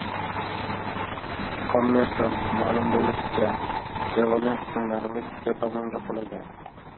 kommersant ma'lum bo'lishicha devorning qismlari meksika tomoniga qulagan